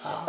waaw